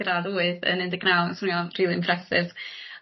gradd wyth yn un deg naw yn swnio'n rili impressive